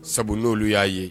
Sabu n'olu y'a ye